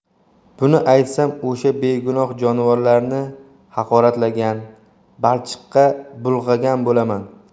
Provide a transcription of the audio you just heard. buni aytsam o'sha begunoh jonivorlarni haqoratlagan balchiqqa bulg'agan bo'laman